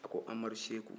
a ko amadu seku